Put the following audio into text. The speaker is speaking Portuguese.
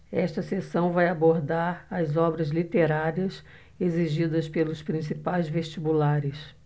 esta seção vai abordar as obras literárias exigidas pelos principais vestibulares